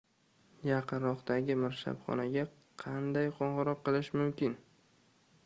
yaqinroqdagi mirshabxonaga qanday qo'ng'iroq qilish mumkin